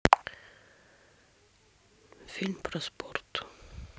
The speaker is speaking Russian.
фильм про спорт